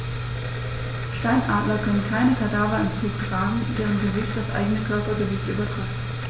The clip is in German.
Steinadler können keine Kadaver im Flug tragen, deren Gewicht das eigene Körpergewicht übertrifft.